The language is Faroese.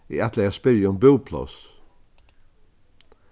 eg ætlaði at spyrja um búpláss